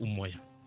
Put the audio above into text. ummo yaka